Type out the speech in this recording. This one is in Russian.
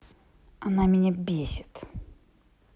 она меня бесит